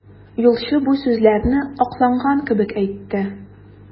Юлчы бу сүзләрне акланган кебек әйтте.